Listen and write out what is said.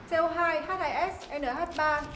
xê ô hai hắt hai ét e nờ hắt ba